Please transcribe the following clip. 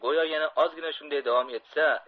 go'yo yana ozgina shunday davom etsa